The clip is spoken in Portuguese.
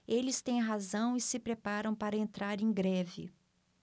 eles têm razão e se preparam para entrar em greve